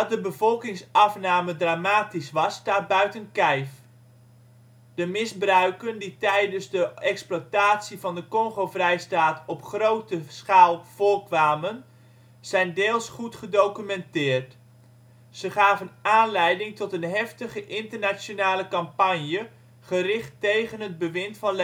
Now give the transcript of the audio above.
de bevolkingsafname dramatisch was staat buiten kijf. De misbruiken die tijdens de exploitatie van de Kongo-Vrijstaat op grote schaal voorkwamen zijn deels goed gedocumenteerd. Ze gaven aanleiding tot een heftige internationale campagne gericht tegen het bewind van